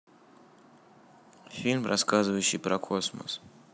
фильм рассказывающий про космос